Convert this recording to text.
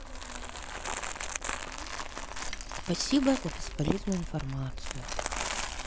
спасибо за бесполезную информацию